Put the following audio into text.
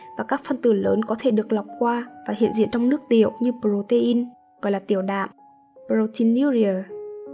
và các phân tử lớn có thể được lọc qua và hiện diện trong nước tiểu như protein gọi là tiểu đạm